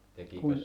kun